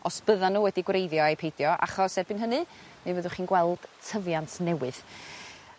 os byddan n'w wedi gwreiddio ai peidio achos erbyn hynny mi fyddwch chi'n gweld tyfiant newydd.